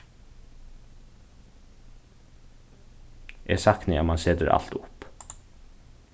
eg sakni at mann setir alt upp